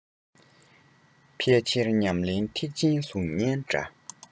ཕར ཕྱིན ཉམས ལེན ཐེག ཆེན གཟུགས བརྙན འདྲ